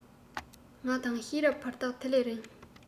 ང དང ཤེས རབ བར ཐག དེ ལས རིང